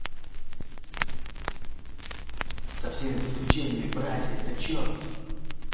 со всеми подключениями братья это че